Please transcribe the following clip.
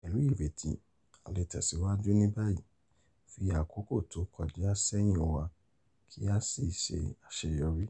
Pẹ̀lú ìrètí, a lè tẹ̀síwájú ní báyìí, fi àkókò tó kọjá sẹ́hìn wá kí a sì ṣe àṣeyọrí."